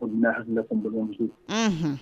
Ko n' hakilila ko balimamuso